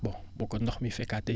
bon bu ko ndox bi fekkaatee si ka